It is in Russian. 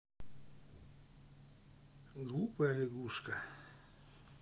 глупая лягушка